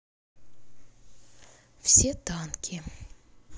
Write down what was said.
все танки